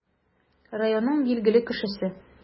Районның билгеле кешесе.